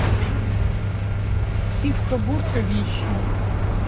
сивка бурка вещая